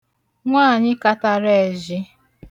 nwaànyi katara ẹ̀zhi